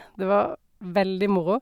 Det var veldig moro.